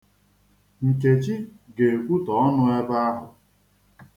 Nkechi ga-ekwụtọ ọnụ ebe ahụ.